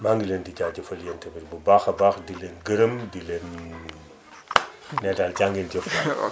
maa ngi leen di jaajëfal yéen tamit bu baax a baax di leen gërëm di leen ne daal jaa ngeen jëf